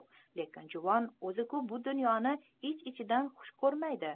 lekin juvon o'zi ku bu dunyosini ich ichidan xush ko'rmaydi